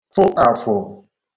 fụ àfụ̀